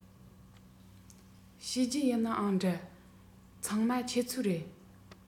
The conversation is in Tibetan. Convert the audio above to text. བྱས རྗེས ཡིན ནའང འདྲ ཚང མ ཁྱེད ཚོའི རེད